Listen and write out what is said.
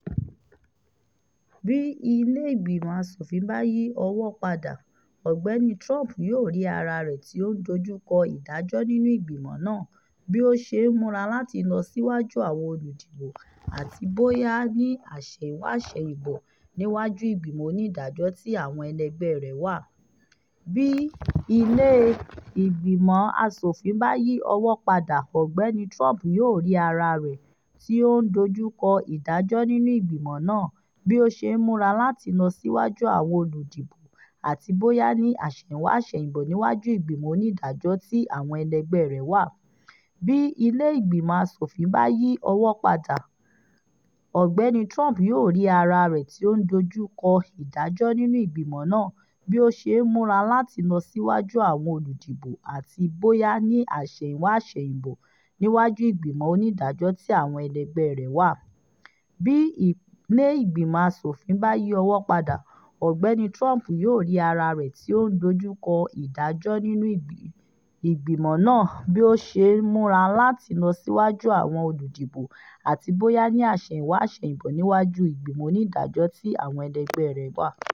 Bí Ilé Ìgbìmọ̀ Aṣòfin bá yí ọwọ́ padà, Ọ̀gbẹ́ni Trump yóò rí ara rẹ̀ tí ó ń dojú kọ ìdájọ́ nínú ìgbìmọ̀ náà, bí ó ṣe ń múra láti lọ síwájú àwọn olùdìbò, àti bóyá ní àsẹ̀yìnwá àsẹ̀yìnbò níwájú ìgbìmọ̀ onídàájọ́ tí àwọn ẹlẹgbẹ́ rẹ̀ wà.